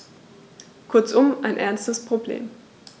Kurzum, ein ernstes Problem.